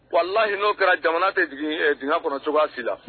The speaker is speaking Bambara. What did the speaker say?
Walalayi n'o kɛra jamana tɛ dunan kɔnɔ cogoya si la